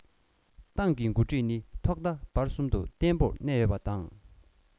ཏང གི འགོ ཁྲིད ནི ཐོག མཐའ བར གསུམ དུ བརྟན པོར གནས ཡོད